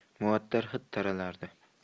muattar hid taralardi